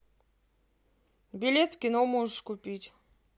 билет в кино можешь купить